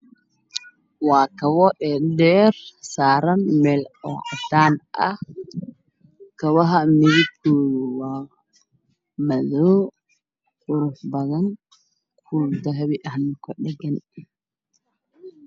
Waa kabo ee beer meel caddaan saaran kabaha midabkooda waa madow qurux badan kuul dahbi ahna ku dhugan